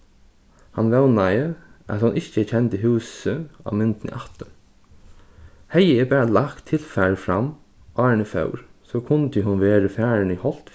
hann vónaði at hon ikki kendi húsið á myndini aftur hevði eg bara lagt tilfarið fram áðrenn eg fór so kundi hon verið farin í holt